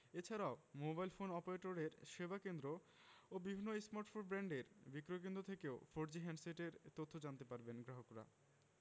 এ ছাড়াও mobile phone অপারেটরের সেবাকেন্দ্র ও বিভিন্ন স্মার্টফোন ব্র্যান্ডের বিক্রয়কেন্দ্র থেকেও ফোরজি হ্যান্ডসেটের তথ্য জানতে পারবেন গ্রাহকরা